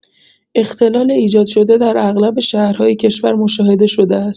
اختلال ایجادشده در اغلب شهرهای کشور مشاهده‌شده است.